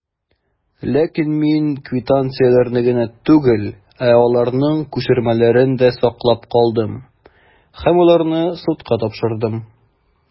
Ләкин мин квитанцияләрне генә түгел, ә аларның күчермәләрен дә саклап калдым, һәм аларны судка тапшырдым.